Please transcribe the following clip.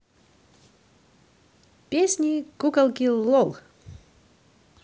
песни куколки лол